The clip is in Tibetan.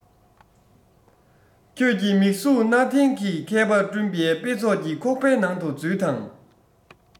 ཁྱོད ཀྱི མིག ཟུང གནའ དེང གི མཁས པས བསྐྲུན པའི དཔེ ཚོགས ཀྱི ཁོག པའི ནང འཛུལ དང